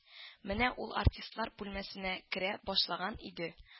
Менә ул артистлар бүлмәсенә керә башлаган иде